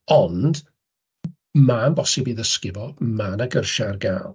Ond ma'n bosib i ddysgu fo, ma' 'na gyrsiau ar gael.